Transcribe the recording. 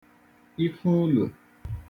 ifu ulùè